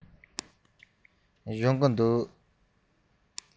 སྦྱོང གི འདུག